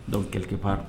Dɔw kɛlɛkɛ baara